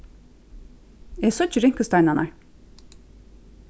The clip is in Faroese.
eg síggi rinkusteinarnar